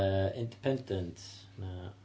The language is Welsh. yy Independent, na.